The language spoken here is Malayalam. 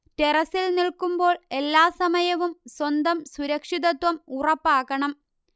ടെറസ്സിൽ നിൽക്കുമ്പോൾ എല്ലാ സമയവും സ്വന്തം സുരക്ഷിതത്വം ഉറപ്പാക്കണം